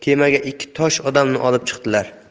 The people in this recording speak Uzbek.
kemaga ikki tosh odamni olib chiqdilar